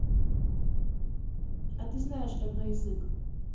а ты знаешь родной язык